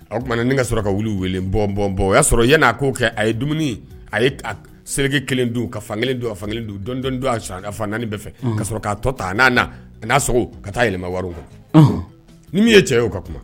O tumaumana na ni n ka sɔrɔ ka wulu weele bɔn bɔnɔn bɔn o y'a sɔrɔ yan n'a ko kɛ a ye dumuni a ye seke kelen don ka fan kelen don a kelen don dɔn don a ka fan naani bɛɛ fɛ ka sɔrɔ ka tɔ ta a n'a na a'a ka taa yɛlɛmawaw kan ni min ye cɛ o ka kuma